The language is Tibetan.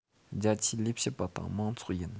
རྒྱ ཆེའི ལས བྱེད པ དང མང ཚོགས ཡིན